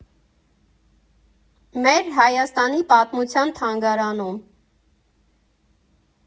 Մեր՝ Հայաստանի պատմության թանգարանում։